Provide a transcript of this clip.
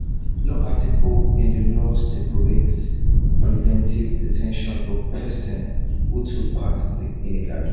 No article in the law stipulates preventive detention for persons who took part in a gathering.